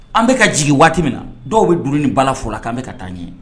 An bɛka ka jigi waati min na dɔw bɛ du nin bala fo la k'an bɛka ka taa n ɲɛ